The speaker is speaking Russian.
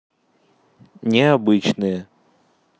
необычные